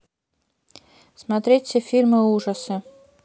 посмотреть все фильмы ужасы